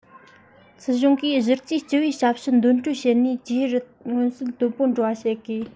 སྲིད གཞུང གིས གཞི རྩའི སྤྱི པའི ཞབས ཞུ འདོན སྤྲོད བྱེད ནུས ཆེ རུ མངོན གསལ དོད པོ འགྲོ བ བྱ དགོས